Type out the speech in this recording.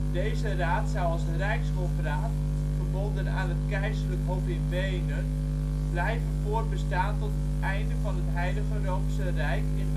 Deze raad zou als Rijkshofraad, verbonden aan het keizerlijk hof in Wenen, blijven voortbestaan tot het einde van het Heilige Roomse Rijk in